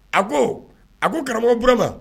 A ko a ko karamɔgɔ bɔrama